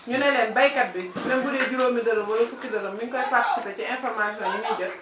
ñu ne leen béykat bi même bu dee juróomi dërëm wala fukki dërëm mi ngi koy participer ci information yi muy jo